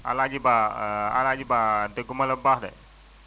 El Hadj Ba El Hadj Ba déggumala bu baax de